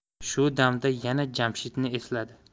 shu damda yana jamshidni esladi